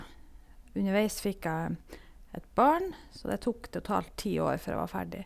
Underveis fikk jeg et barn, så det tok totalt ti år før jeg var ferdig.